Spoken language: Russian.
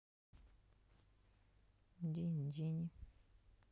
динь динь